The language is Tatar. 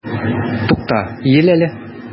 Тукта, иел әле!